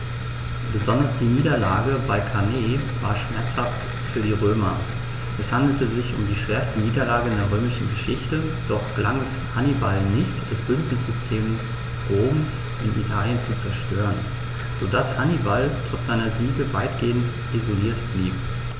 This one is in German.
Besonders die Niederlage bei Cannae war schmerzhaft für die Römer: Es handelte sich um die schwerste Niederlage in der römischen Geschichte, doch gelang es Hannibal nicht, das Bündnissystem Roms in Italien zu zerstören, sodass Hannibal trotz seiner Siege weitgehend isoliert blieb.